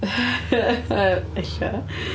Ella!